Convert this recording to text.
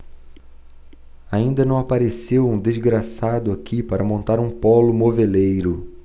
ainda não apareceu um desgraçado aqui para montar um pólo moveleiro